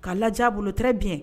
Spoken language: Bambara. Ka laja bolotɛre bi